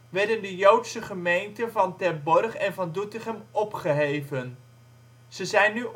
werden de joodse gemeenten van Terborg en van Doetinchem opgeheven. Ze zijn